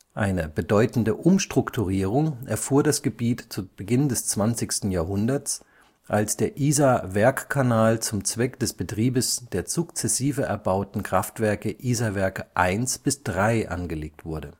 Eine bedeutende Umstrukturierung erfuhr das Gebiet zu Beginn des 20. Jahrhunderts, als der Isar-Werkkanal zum Zweck des Betriebes der sukzessive erbauten Kraftwerke Isarwerke I - III angelegt wurde